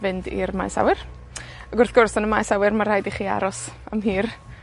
fynd i'r maes awyr. Ag wrth gwrs, yn y maes awyr, ma' rhaid i chi aros am hir